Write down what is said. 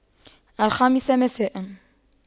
الخامسة مساء